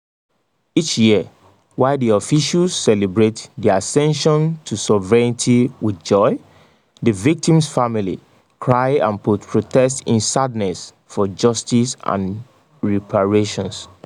Each year, while the officials celebrate the ascension to sovereignty with joy, the victims’ families cry and protest in sadness for justice and reparations.